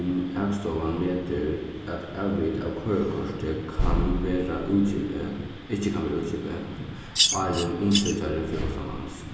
um akstovan metir at avrit av koyrikorti kann verða útgivið ikki kann verða útgivið áðrenn umsøkjarin fer uttanlands